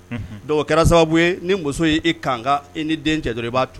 Kɛra sababu ye ni muso ye e kan i ni den cɛ dɔ i b'a